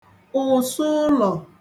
ụ̀sụụlọ̀